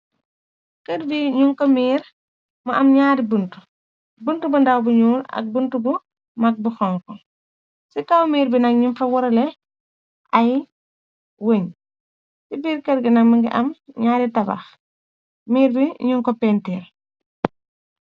Kerr bii njung kor mirr, mu am njaari buntu, buntu bu ndaw bu njull ak buntu bu mak bu honhu, chi kaw mirr bii nak njung fa wohraleh aiiy weungh, chi birr kerr gui nak mungy am njaari tabakh, mirr bii njung kor peintirr.